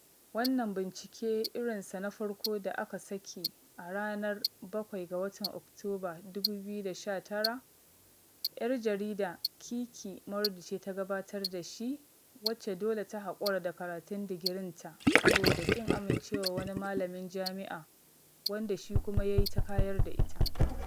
Wannan bincike irinsa na farko da aka saki a ranar 7 ga watan Oktoba 2019, 'yar jarida Kiki Mordi ce ta gabatar da shi, wacce dole ta haƙura da karatun digirinta saboda ƙin amincewa wani malamin jam'ia wanda shi kuma ya yi ta kayar da ita.